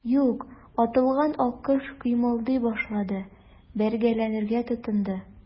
Юк, атылган аккош кыймылдый башлады, бәргәләнергә тотынды.